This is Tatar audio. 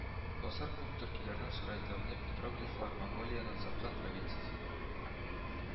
Гасыр күк төркиләрне сурәтләүче петроглифлар, монголияның завхан провинциясе